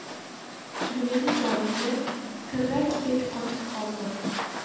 turgan joyimda tirrakdek qotib qoldim